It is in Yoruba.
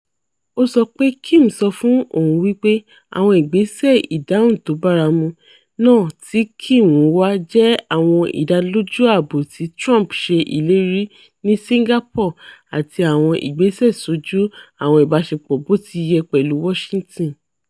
Ó sọ pé Kim sọ fún òun wí pé ''àwọn ìgbésẹ̀ ìdáhùn tóbáramu'' náà tí Kim ń wá jẹ́ àwọn ìdánilójú ààbò tí Trump ṣe ìlérì ní Singapore àti àwọn ìgbésẹ sójú àwọn ìbáṣepọ̀ bótiyẹ pẹ̀lú Washinhton.